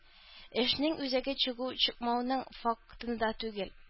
Эшнең үзәге чыгу-чыкмауның фактында түгел.